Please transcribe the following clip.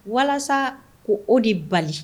Walasa ko o de bali